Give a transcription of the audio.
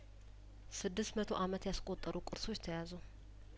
ስድስት መቶ አመት ያስቆጠሩ ቁርሶች ተያዙ